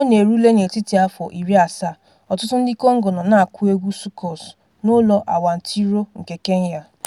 Ka ọ na-erule n'etiti afọ iri asaa, ọtụtụ ndị Congo nọ na-akụ egwu soukous n'ụlọ awantịrọ nke Kenya.